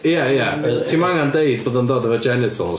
Ia, Ia ti'm angen deud bod o'n dod efo genitals.